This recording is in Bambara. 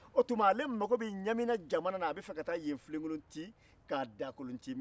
o tuma ale mago bɛ ɲamina jamana a bɛ fɛ ka taa yen filenkolonci k'a dagakolonci